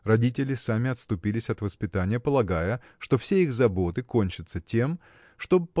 Родители сами отступились от воспитания полагая что все их заботы кончаются тем чтоб